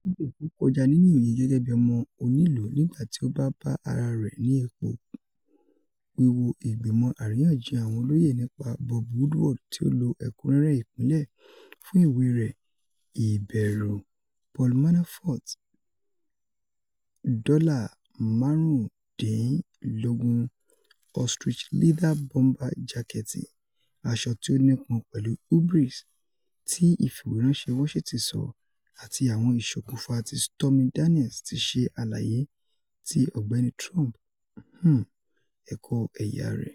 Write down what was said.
Sibẹ, o kọja nini oye gẹgẹbi ọmọ onilu nigba ti o ba ba ara rẹ ni ipo wiwo igbimọ ariyanjiyan awọn oloye nipa Bob Woodward ti o lo “ẹkunrẹrẹ ipinlẹ” fun iwe rẹ "Iberu," Paul Manafort $ 15.000 ostrich-leather bomber jaketi ("Aṣọ ti o nipọn pẹlu hubris," Ti Ifiweranṣẹ Washington sọ) ati awọn iṣokunfa ti Stormy Daniels ti ṣe alaye ti Ọgbẹni Trump, um, ẹkọ ẹya ara.